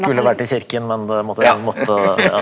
skulle vært i kirken men det måtte måtte ja.